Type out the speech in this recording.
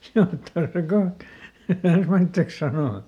se on tosi kohta että ensimmäiseksi sanoi